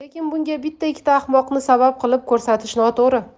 lekin bunga bitta ikkita ahmoqni sabab qilib ko'rsatish noto'g'ri